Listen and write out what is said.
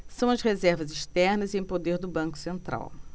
são as reservas externas em poder do banco central